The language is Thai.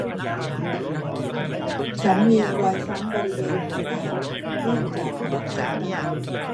ฉันมีรอยช้ำบริเวณหัวไหล่เนื่องจากกระแทกโต๊ะ